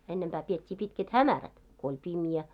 ennempää pidettiin pitkät hämärät kun oli pimeä